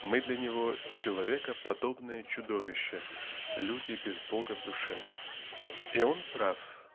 мы для него человекоподобные чудовища люди без Бога в душе -- и он прав